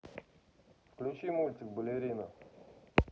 включи мультик балерина